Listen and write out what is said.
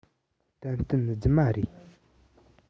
ཏན ཏན རྫུན མ རེད